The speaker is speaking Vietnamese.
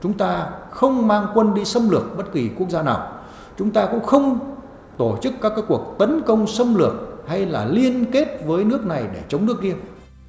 chúng ta không mang quân đi xâm lược bất kỳ quốc gia nào chúng ta cũng không tổ chức các cái cuộc tấn công xâm lược hay là liên kết với nước này để chống nước kia